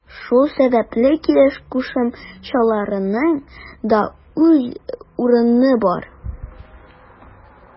Шул сәбәпле килеш кушымчаларының да үз урыны бар.